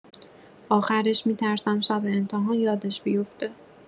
اخرش می‌ترسم شب امتحان یادش بیوفته